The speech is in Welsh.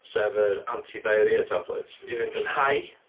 Sef yr anti-diarrhea tablets i fynd yn high.